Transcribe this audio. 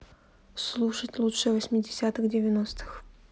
слушать лучшее восьмидесятых девяностых